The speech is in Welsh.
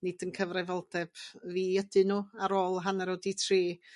Nid 'yn cyfrifoldeb fi ydyn nhw ar ôl hanner awr 'di tri.